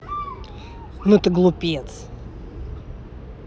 ну ты глупец